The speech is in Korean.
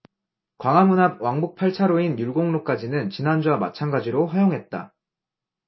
광화문 앞 왕복 팔 차로인 율곡로까지는 지난주와 마찬가지로 허용했다